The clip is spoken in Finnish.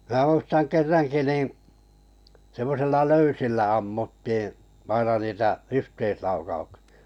minä muistan kerrankin niin semmoisilla löysillä ammuttiin aina niitä yhteislaukauksia